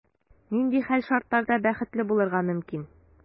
Нинди хәл-шартларда бәхетле булырга мөмкин?